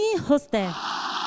tèn